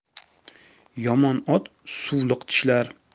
yomon ot suvliq tishlar